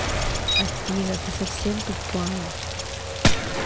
афина ты совсем тупая